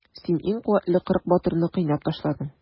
Син иң куәтле кырык батырны кыйнап ташладың.